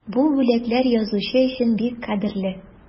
Бу бүләкләр язучы өчен бик кадерле.